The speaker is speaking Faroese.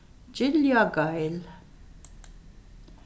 giljageil